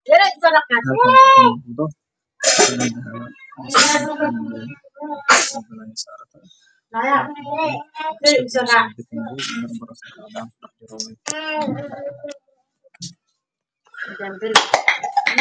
Katiin dahabi boombal kujiro